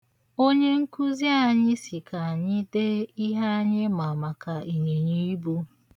Onye nkụzi anyị sị ka anyị dee ihe anyị ma maka ịnyịnyiibu.